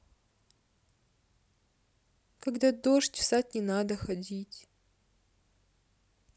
когда дождь в сад не надо ходить